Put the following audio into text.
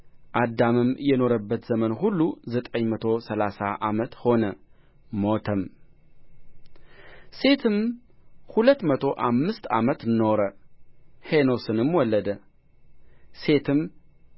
አዳምም የኖረበት ዘመን ሁሉ ዘጠኝ መቶ ሠላሳ ዓመት ሆነ ሞተም ሴትም ሁለት መቶ አምስት ዓመት ኖረ ሄኖስንም ወለደ ሴትም